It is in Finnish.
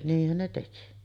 niinhän ne teki